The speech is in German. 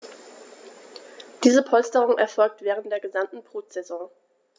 Diese Polsterung erfolgt während der gesamten Brutsaison.